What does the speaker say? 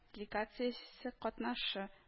Делегациясе катнашы